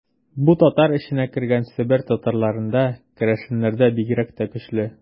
Бу татар эченә кергән Себер татарларында, керәшеннәрдә бигрәк тә көчле.